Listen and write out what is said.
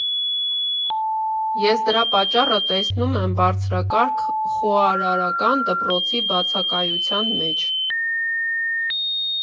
Ես դրա պատճառը տեսնում եմ բարձրակարգ խոհարարական դպրոցի բացակայության մեջ։